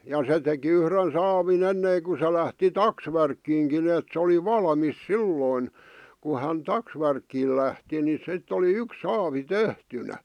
ja se teki yhden saavin ennen kun se lähti taksvärkkiinkin että se oli valmis silloin kun hän taksvärkkiin lähti niin sitten oli yksi saavi tehtynä